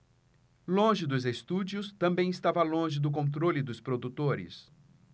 longe dos estúdios também estava longe do controle dos produtores